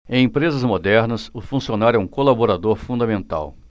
em empresas modernas o funcionário é um colaborador fundamental